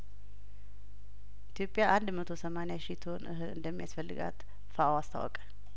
ኢትዮጵያ አንድ መቶ ሰማኒያ ሺህ ቶን እህል እንደሚያስፈልጋት ፋኦ አስታወቀ